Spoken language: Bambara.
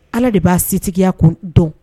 Ala de b'a setigiya kun dɔn.